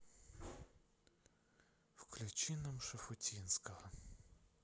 включи нам шуфутинского